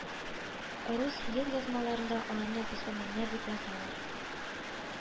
Рус ельязмаларында аларны бесерменнәр дип язалар